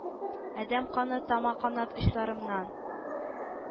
Адәм каны тама канат очларымнан: